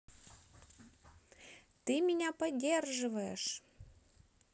ты меня поддерживаешь